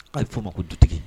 K'a bɛ f'o ma ko du tigi